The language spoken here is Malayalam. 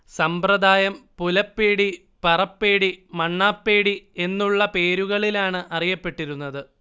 സമ്പ്രദായം പുലപ്പേടി പറപ്പേടി മണ്ണാപ്പേടി എന്നുള്ള പേരുകളിലാണ് അറിയപ്പെട്ടിരുന്നത്